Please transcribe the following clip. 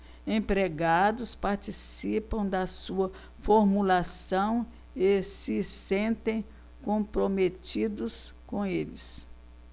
empregados participam da sua formulação e se sentem comprometidos com eles